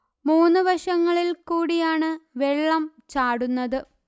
മൂന്നു വശങ്ങളിൽ കൂടിയാണ് വെള്ളം ചാടുന്നത്